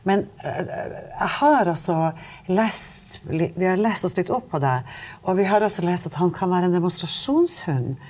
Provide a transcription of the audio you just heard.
men jeg har altså lest vi har lest oss litt opp på deg og vi har også lest at han kan være en demonstrasjonshund.